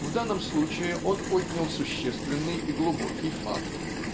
В данном случае он отнял существенный и глубокий факт